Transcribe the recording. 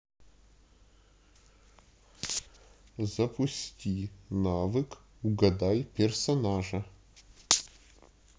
запусти навык угадай персонажа